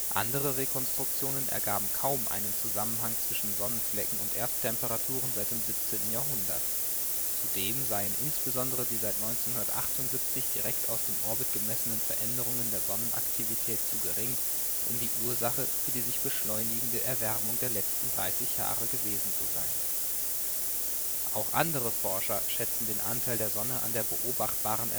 Andere Rekonstruktionen ergaben kaum einen Zusammenhang zwischen Sonnenflecken und Erdtemperaturen seit dem 17. Jahrhundert. Zudem seien insbesondere die seit 1978 direkt aus dem Orbit gemessenen Veränderungen der Sonnenaktivität zu gering, um die Ursache für die sich beschleunigende Erwärmung der letzten 30 Jahre gewesen zu sein. (Vgl. die Abbildung rechts) Auch andere Forscher schätzen den Anteil der Sonne an der beobachtbaren